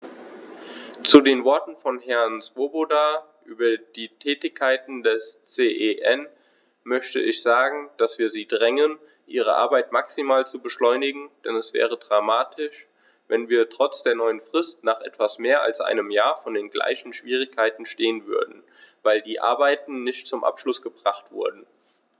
Zu den Worten von Herrn Swoboda über die Tätigkeit des CEN möchte ich sagen, dass wir sie drängen, ihre Arbeit maximal zu beschleunigen, denn es wäre dramatisch, wenn wir trotz der neuen Frist nach etwas mehr als einem Jahr vor den gleichen Schwierigkeiten stehen würden, weil die Arbeiten nicht zum Abschluss gebracht wurden.